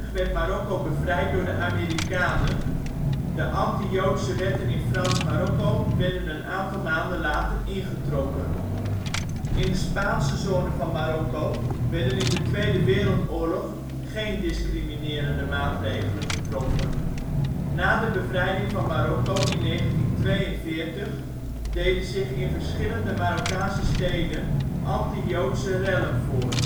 werd Marokko bevrijd door de Amerikanen, de anti-joodse wetten in Frans-Marokko werden een aantal maanden later ingetrokken. In de Spaanse zone van Marokko werden in de Tweede Wereldoorlog geen discriminerende maatregelen getroffen. Na de bevrijding van Marokko in 1942 deden zich in verschillende Marokkaanse steden anti-joodse rellen voor